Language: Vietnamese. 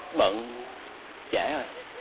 bận trễ